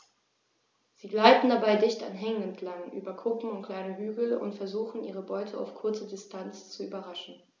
Sie gleiten dabei dicht an Hängen entlang, über Kuppen und kleine Hügel und versuchen ihre Beute auf kurze Distanz zu überraschen.